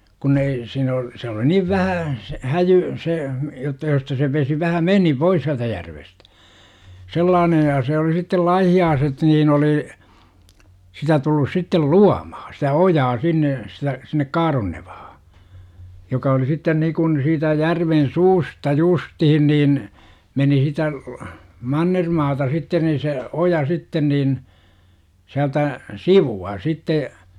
kun ei siinä ole se oli niin vähää se häjyä se jotta josta se vesi vähän meni pois sieltä järvestä sellainen ja se oli sitten laihialaiset niin oli sitä tullut sitten luomaan sitä ojaa sinne sitä sinne Kaaronnevalle joka oli sitten niin kuin siitä järven suusta justiin niin meni sitä mannermaata sitten niin se oja sitten niin sieltä sivua sitten